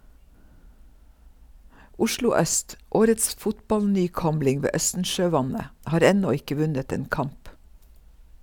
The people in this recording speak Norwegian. Oslo Øst - årets fotballnykomling ved Østensjøvannet - har ennå ikke vunnet en kamp.